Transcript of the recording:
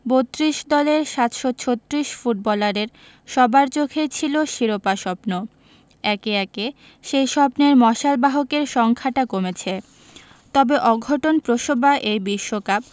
৩২ দলের ৭৩৬ ফুটবলারের সবার চোখেই ছিল শিরোপা স্বপ্ন একে একে সেই স্বপ্নের মশালবাহকের সংখ্যাটা কমেছে তবে অঘটনপ্রসবা এই বিশ্বকাপ